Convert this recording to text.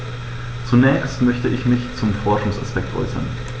Zunächst möchte ich mich zum Forschungsaspekt äußern.